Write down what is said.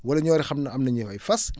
wala ñu yore xam ne am nañu ay fas